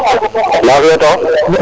nafio toox